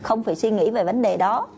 không phải suy nghĩ về vấn đề đó